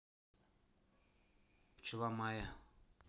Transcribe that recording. пчела майя